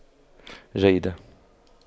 جيدة